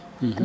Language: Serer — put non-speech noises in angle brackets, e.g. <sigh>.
<hesitation> <hesitation>